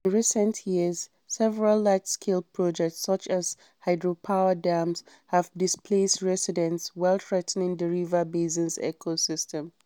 In recent years, several large-scale projects such as hydropower dams have displaced residents while threatening the river basin's ecosystem.